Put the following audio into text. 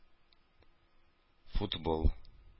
Футбол